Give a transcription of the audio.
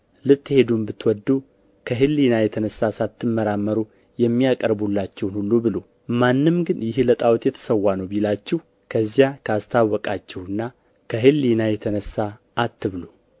ልትሄዱም ብትወዱ ከሕሊና የተነሣ ሳትመራመሩ የሚያቀርቡላችሁን ሁሉ ብሉ ማንም ግን ይህ ለጣዖት የተሠዋ ነው ቢላችሁ ከዚያ ካስታወቃችሁና ከሕሊና የተነሣ አትብሉ